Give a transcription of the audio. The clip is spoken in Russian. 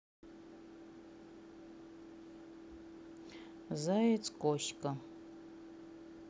заяц коська